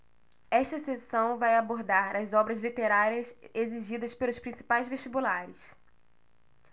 esta seção vai abordar as obras literárias exigidas pelos principais vestibulares